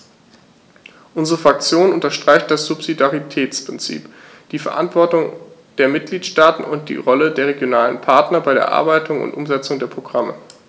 Unsere Fraktion unterstreicht das Subsidiaritätsprinzip, die Verantwortung der Mitgliedstaaten und die Rolle der regionalen Partner bei der Erarbeitung und Umsetzung der Programme.